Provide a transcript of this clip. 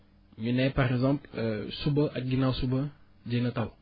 ñu ne par exemple suba ak ginnaaw suba dina taw